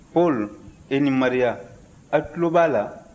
paul e ni maria aw tulo b'a la